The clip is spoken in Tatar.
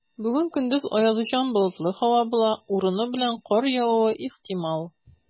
Бүген көндез аязучан болытлы һава була, урыны белән кар явуы ихтимал.